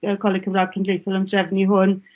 y Coleg Cymra'g Cenedlaethol am drefnu hwn.